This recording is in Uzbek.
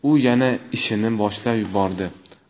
u yana ishini boshlab yubordi